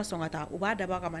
Sɔn ka taa u b'a dabɔ a kama